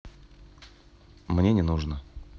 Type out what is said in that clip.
мне не нужно